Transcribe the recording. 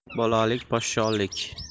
bolalik podsholik